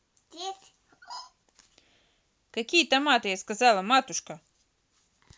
какие томаты я сказала матушка